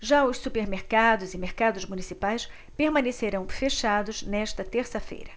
já os supermercados e mercados municipais permanecerão fechados nesta terça-feira